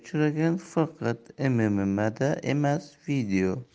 uchragan faqat mma'da emas video